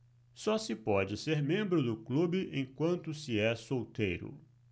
só se pode ser membro do clube enquanto se é solteiro